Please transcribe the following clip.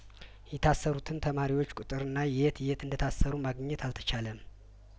የታሰሩትን ተማሪዎች ቁጥርና የት የት እንደታሰሩ ማግኘት አልተቻለም